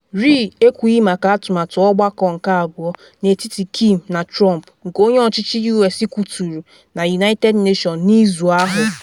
Ri ekwughị maka atụmatụ ọgbakọ nke abụọ n’etiti Kim na Trump nke onye ọchịchị U.S kwuturu na United Nation n’izu ahụ.